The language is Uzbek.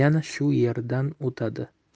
yana shu yerdan o'tadi